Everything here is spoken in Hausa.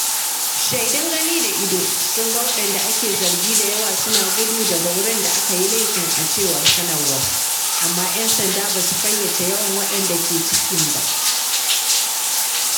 Shaidun gani da ido sun ga waɗanda ake zargi da yawa suna gudu daga wurin da aka yi laifin a cewar sanarwar, amma ‘yan sanda ba su fayyace yawan waɗanda ke cikin ba.